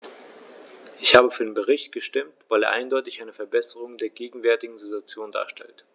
Ich habe für den Bericht gestimmt, weil er eindeutig eine Verbesserung der gegenwärtigen Situation darstellt.